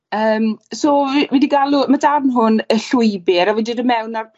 yym so fi wi 'di galw, ma' darn hwn y llwybyr a wi 'di dod mewn ar